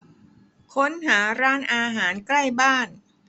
ค้นหาร้านอาหารใกล้บ้าน